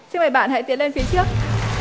xin mời bạn hãy tiến lên phía trước